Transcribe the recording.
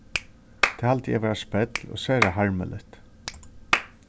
tað haldi eg vera spell og sera harmiligt